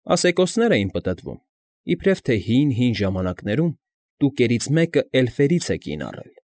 Ասեկոսներ էին պտտվում, իբրև թե հի՜ն֊հին ժամանակներում Տուկերից մեկը էլֆերից է կին առել։